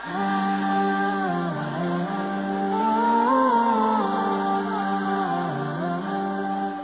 San